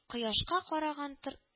Кояшка карага тор